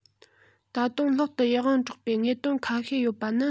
ད དུང ལྷག ཏུ ཡིད དབང འཕྲོག པའི དངོས དོན ཁ ཤས ཡོད པ ནི